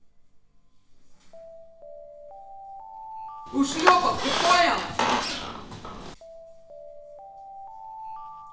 ушлепок ты понял